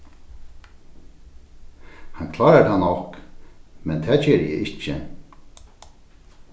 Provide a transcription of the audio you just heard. hann klárar tað nokk men tað geri eg ikki